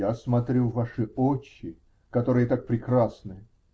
-- Я смотрю в ваши очи, которые так прекрасны.